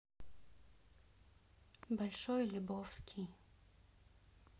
большой лебовский